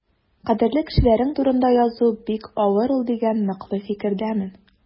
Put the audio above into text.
Кадерле кешеләрең турында язу бик авыр ул дигән ныклы фикердәмен.